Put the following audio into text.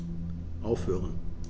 Aufhören.